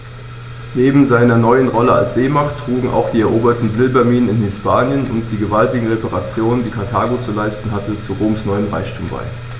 Neben seiner neuen Rolle als Seemacht trugen auch die eroberten Silberminen in Hispanien und die gewaltigen Reparationen, die Karthago zu leisten hatte, zu Roms neuem Reichtum bei.